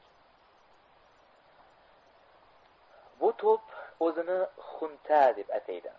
bu to'p o'zini xunta deb ataydi